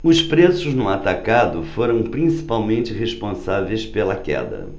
os preços no atacado foram os principais responsáveis pela queda